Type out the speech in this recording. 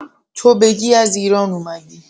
تو بگی از ایران اومدی